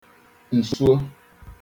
nswo